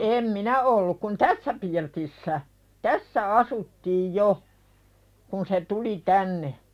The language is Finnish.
en minä ollut kun tässä pirtissä tässä asuttiin jo kun se tuli tänne